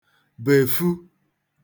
befu